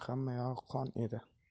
hammayog'i qon edi